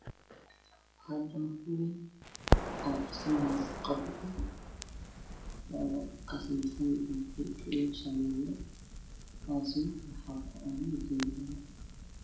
Waa dabaq dheer oo dhismihiisu socdo ka sameysan buluketi shamiito daaqadaha way furan yihiin fiilooyin ayaa kula dhegan